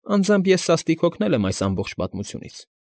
Անձամբ ես սաստիկ հոգնել եմ այս ամբողջ պատմությունից։